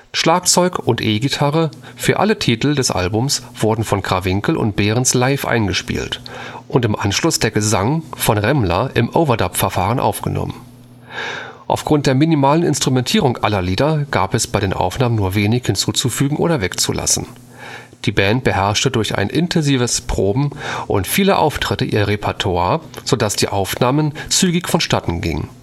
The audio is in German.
Schlagzeug und E-Gitarre für alle Titel des Albums wurden von Krawinkel und Behrens live eingespielt und im Anschluss der Gesang von Remmler im Overdub-Verfahren aufgenommen. Aufgrund der minimalen Instrumentierung aller Lieder gab es bei den Aufnahmen nur wenig hinzuzufügen oder wegzulassen. Die Band beherrschte durch intensives Proben und viele Auftritte ihr Repertoire, sodass die Aufnahmen zügig vonstatten gingen